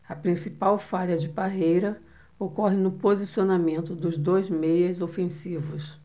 a principal falha de parreira ocorre no posicionamento dos dois meias ofensivos